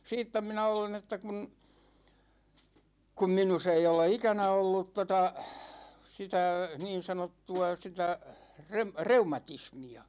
siitä minä olen että kun kun minussa ei ole ikänä ollut tuota sitä niin sanottua sitä - reumatismia